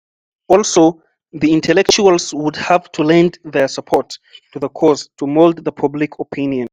Also, the intellectuals would have to lend their support to the cause to mold the public opinion.